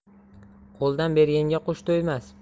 qo'ldan berganga qush to'ymas